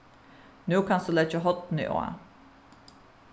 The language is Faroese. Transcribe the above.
nú kanst tú leggja hornið á